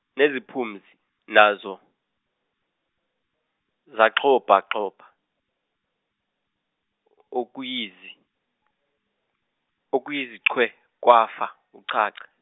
nezimpunzi nazo zagxobagxoba okuyizi- okuyizichwe kwafa ucaca.